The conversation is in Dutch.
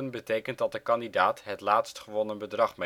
betekent dat de kandidaat het laatst gewonnen bedrag